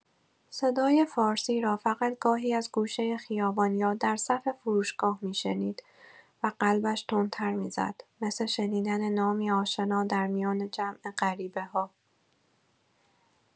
صدای فارسی را فقط گاهی از گوشۀ خیابان یا در صف فروشگاه می‌شنید و قلبش تندتر می‌زد، مثل شنیدن نامی آشنا در میان جمع غریبه‌ها.